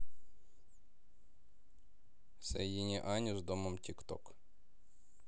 соедини аню с домом тик ток